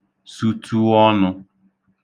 sūtụ̄ ọnụ̄